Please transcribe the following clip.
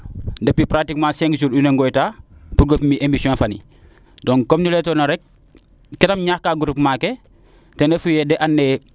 depuis pratiquement cinq jour maxey xooyta mbugo mbi peen emission nene donc comme ne leyta noona rek kem ñaax ka groupement ten refu yee yede an naye